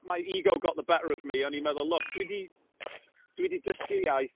My ego got the better of me. O'n i'n meddwl, look, dwi 'di dwi 'di dysgu'r iaith.